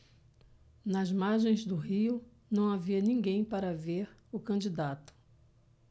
nas margens do rio não havia ninguém para ver o candidato